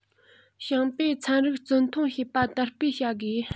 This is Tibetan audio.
ཞིང པས ཚན རིག བརྩི མཐོང བྱེད པ དར སྤེལ བྱ དགོས